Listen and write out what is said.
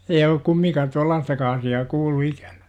ei ollut kumminkaan tuollaistakaan asiaa kuullut ikänään